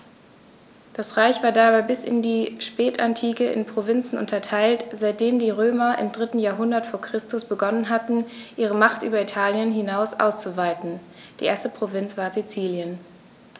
Das Reich war dabei bis in die Spätantike in Provinzen unterteilt, seitdem die Römer im 3. Jahrhundert vor Christus begonnen hatten, ihre Macht über Italien hinaus auszuweiten (die erste Provinz war Sizilien).